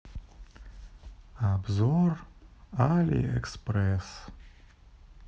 обзор алиэкспресс